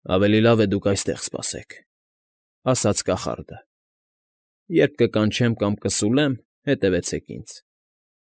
Ավելի լավ է դուք այստեղ սպասեք,֊ ասաց կախարդը։֊ Երբ կկանչեմ կամ կսուլեմ, հետևեցեք ինձ։